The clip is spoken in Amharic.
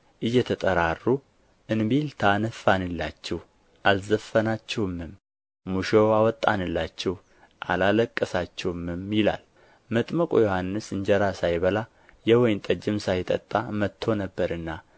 እየተጠራሩ እንቢልታ ነፋንላችሁ አልዘፈናችሁምም ሙሾ አወጣንላችሁ አላለቀሳችሁምም ይላል መጥምቁ ዮሐንስ እንጀራ ሳይበላ የወይን ጠጅም ሳይጠጣ መጥቶ ነበርና